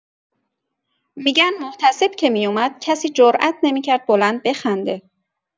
می‌گن محتسب که میومد، کسی جرات نمی‌کرد بلند بخنده!